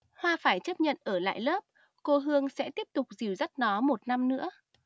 hoa phải chấp nhận ở lại lớp cô hương sẽ tiếp tục dìu dắt nó một năm nữa